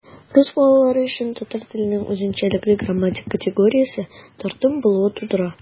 Рус балалары өчен татар теленең үзенчәлекле грамматик категориясе - тартым булуы тудыра.